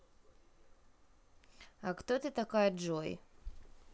а кто ты такая джой